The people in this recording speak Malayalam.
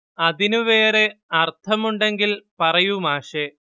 അതിനു വേറേ അർത്ഥം ഉണ്ടെങ്കിൽ പറയൂ മാഷേ